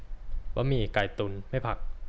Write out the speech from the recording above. บะหมี่ไก่ตุ่นไม่ผัก